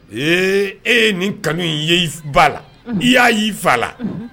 Ee e ye nin kanu ye i ba la i y'a y ii fa la